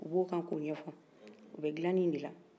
u b'o kan k'o ɲɛfɔ u bɛ dilanin de la